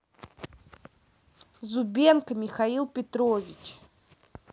зубенко михаил петрович